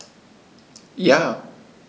Ja.